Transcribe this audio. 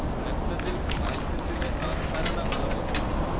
രക്തത്തിൽ കാൽസ്യത്തിന്റെ സാധാരണ അളവ് ആണ്